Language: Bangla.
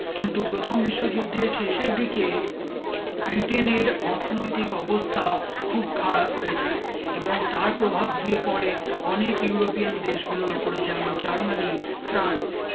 কিন্তু প্রথম বিশ্বযুদ্ধের শেষের দিকে বৃটেনের অর্থনৈতিক অবস্থা খুব খারাপ হয়ে যায় এবং তার প্রভাব গিয়ে পড়ে অনেক ইউরোপিয়ান দেশ গুলোর উপরে যেমন জার্মানি ফ্রান্স